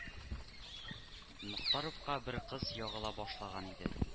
Мохтаровка бер кыз ягыла башлаган иде